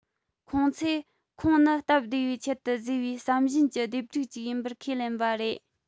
ཁོང ཚོས ཁོངས ནི སྟབས བདེ བའི ཆེད དུ བཟོས པའི བསམ བཞིན གྱི སྡེབ སྒྲིག ཅིག ཡིན པར ཁས ལེན པ རེད